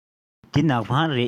འདི ནག པང རེད